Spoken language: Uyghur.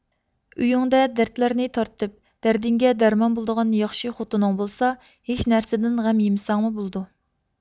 ئۆيۈڭدە دەردلەرنى تارتىپ دەردىڭگە دەرمان بولىدىغان ياخشى خوتۇنۇڭ بولسا ھېچ نەرسىدىن غەم يېمىسەڭمۇ بولىدۇ